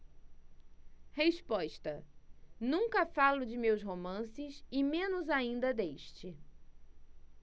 resposta nunca falo de meus romances e menos ainda deste